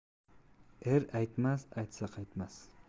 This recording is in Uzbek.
er aytmas aytsa qaytmas